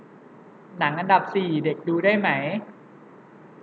หนังอันดับสี่เด็กดูได้ไหม